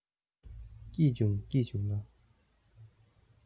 སྐྱིད བྱུང སྐྱིད བྱུང ལ